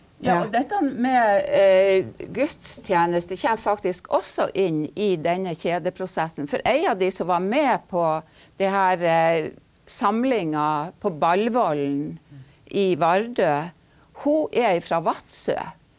ja og dette med gudstjenester kommer faktisk også inn i denne kjedeprosessen, for ei av de som var med på det her samlinga på Ballvollen i Vardø hun er ifra Vadsø.